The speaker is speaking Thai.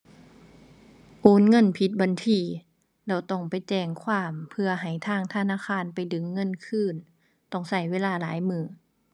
โอนเงินผิดบัญชี แล้วต้องไปแจ้งความเพื่อให้ทางธนาคารไปดึงเงินคืน ต้องใช้เวลาหลายมื้อ